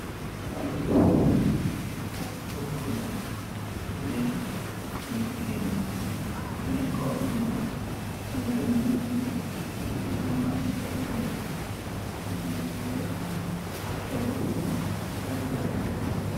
Magi giss mbopa mbopa bi mbopi guneh la guneh gi guneh bu jigeen la mogi aam karaw bu nuul mogi sool mbubu bu nuul mboba bagi aam ap benda benda yu weex ak ay reda reda yu weex.